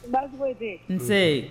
Ba nse